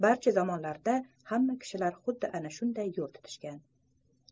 barcha zamonlarda hamma kishilar xuddi ana shunday yo'l tutishgan